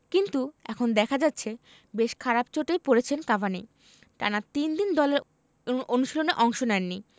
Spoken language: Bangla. কিন্তু এখন দেখা যাচ্ছে বেশ খারাপ চোটেই পড়েছেন কাভানি টানা তিন দিন দলের অন অনুশীলনে অংশ নেননি